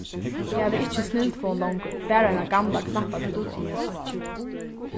eg havi ikki snildfon longur bara eina gamla knappatelefon